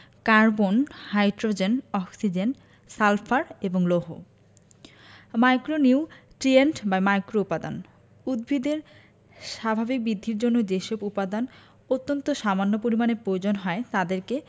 carbon hydrogen oxygen sulphur এবং লৌহ ২ micronutrient বা মাইক্রোউপাদান উদ্ভিদের স্বাভাবিক বৃদ্ধির জন্য যেসব উপাদান অত্যন্ত সামান্য পরিমাণে প্রয়োজন হয় তাদেরকে